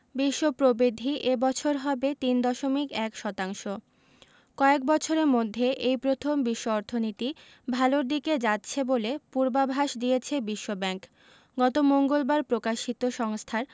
বিশ্ব প্রবৃদ্ধি এ বছর হবে ৩.১ শতাংশ কয়েক বছরের মধ্যে এই প্রথম বিশ্ব অর্থনীতি ভালোর দিকে যাচ্ছে বলে পূর্বাভাস দিয়েছে বিশ্বব্যাংক গত মঙ্গলবার প্রকাশিত সংস্থার